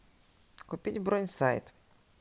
купить бронь сайт